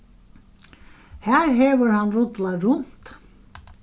har hevur hann rullað runt